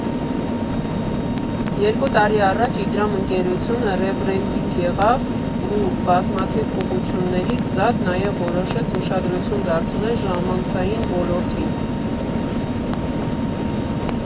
Երկու տարի առաջ Իդրամ ընկերությունը ռեբրենդինգ եղավ ու բազմաթիվ ուղղություններից զատ նաև որոշեց ուշադրություն դարձնել ժամանցային ոլորտին։